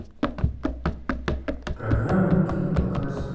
программа кинопоказ